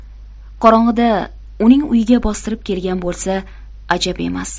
qorong'ida uning uyiga bostirib kelgan bo'lsa ajab emas